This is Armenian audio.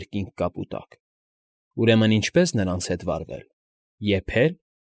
Երկինք կապուտակ։ Ուրեմն ինչպե՞ս նրանց հետ վարվել՝ Եփե՞լ։